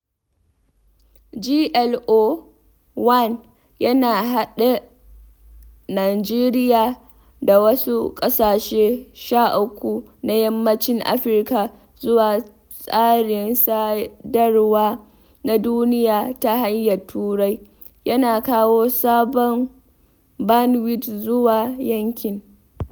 GLO-1 yana haɗa Najeriya da wasu ƙasashe 13 na Yammacin Afirka zuwa tsarin sadarwa na duniya ta hanyar Turai, yana kawo sabon bandwidth zuwa yankin.